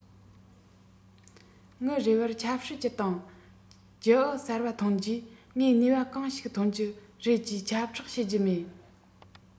ངའི རེ བར ཆབ སྲིད ཅུད དང རྒྱུན ཨུད གསར པ ཐོན རྗེས ངས ནུས པ གང ཞིག ཐོན གྱི རེད ཅེས ཁྱབ བསྒྲགས བྱེད རྒྱུ མེད